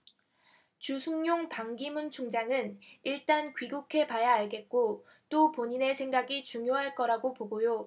주승용 반기문 총장은 일단 귀국해 봐야 알겠고 또 본인의 생각이 중요할 거라고 보고요